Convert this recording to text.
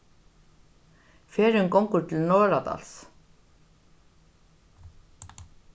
ferðin gongur til norðradals